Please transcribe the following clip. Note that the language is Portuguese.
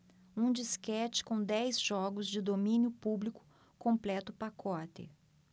um disquete com dez jogos de domínio público completa o pacote